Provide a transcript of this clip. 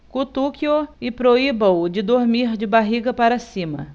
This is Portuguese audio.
cutuque-o e proíba-o de dormir de barriga para cima